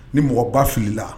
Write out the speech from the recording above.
Ni mɔgɔ ba fili ia